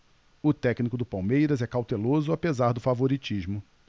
o técnico do palmeiras é cauteloso apesar do favoritismo